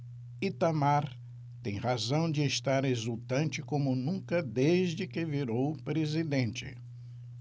itamar tem razão de estar exultante como nunca desde que virou presidente